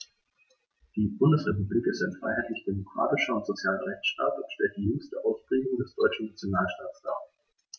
Die Bundesrepublik ist ein freiheitlich-demokratischer und sozialer Rechtsstaat und stellt die jüngste Ausprägung des deutschen Nationalstaates dar.